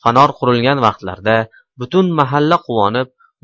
fanor qurilgan vaqtlarda butun mahalla quvonib